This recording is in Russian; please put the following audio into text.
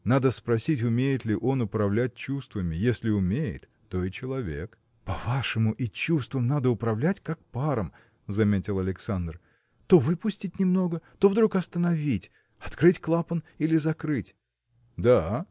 Надо спросить, умеет ли он управлять чувствами если умеет, то и человек. – По-вашему и чувством надо управлять как паром – заметил Александр – то выпустить немного то вдруг остановить открыть клапан или закрыть. – Да